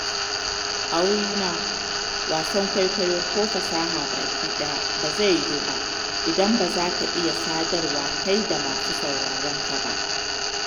A wurina, wasan kwaikwayo ko fasaha baki ɗaya ba zai yiwu ba idan ba za ka iya sadarwa kai da masu sauraranka ba.